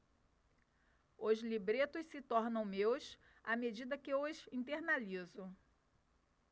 os libretos se tornam meus à medida que os internalizo